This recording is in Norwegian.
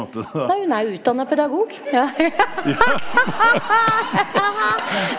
nei hun er jo utdanna pedagog ja .